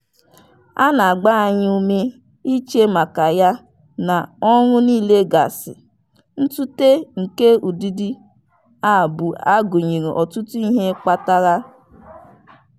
A na-agba anyị ụme ịche maka ya n'ọrụ niile gasị. Ntụte nke ụdịdị a bụ a gụnyere ọtụtụ ihe kpatara.